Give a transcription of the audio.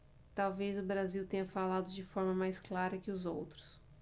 talvez o brasil tenha falado de forma mais clara que os outros